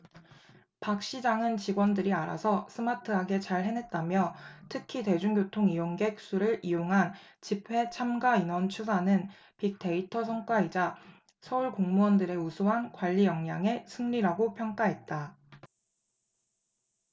박 시장은 직원들이 알아서 스마트하게 잘 해냈다며 특히 대중교통 이용객 수를 이용한 집회 참가 인원 추산은 빅데이터 성과이자 서울 공무원들의 우수한 관리역량의 승리라고 평가했다